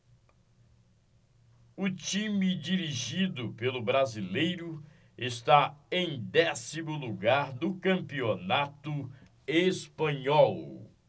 o time dirigido pelo brasileiro está em décimo lugar no campeonato espanhol